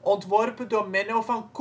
ontworpen door Menno van Coehoorn